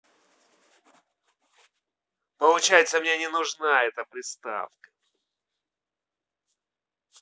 получается мне не нужна эта приставка